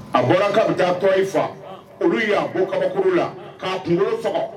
A bɔra ka taa tɔ i faga olu'a bɔ kaba la k'a kunkolo faga